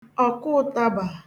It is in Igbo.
ọ̀kụ̀ụ̀tabà